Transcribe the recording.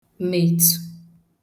mètù